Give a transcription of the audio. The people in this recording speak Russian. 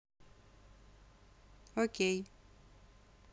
окей